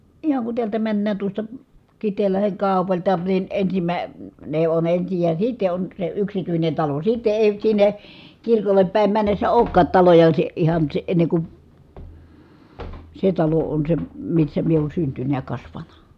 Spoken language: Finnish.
ihan kun täältä mennään tuosta Kiteenlahden kaupalta niin - ensimmäinen on ensin ja sitten on se yksityinen talo sitten ei sinne kirkolle päin mennessä olekaan taloja - ihan - ennen kuin se talo on se missä minä olen syntynyt ja kasvanut